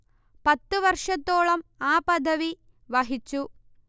പത്തു വർഷത്തോളം ആ പദവി വഹിച്ചു